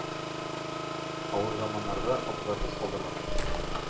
Авыр заманнарда абзарсыз калдырганмын.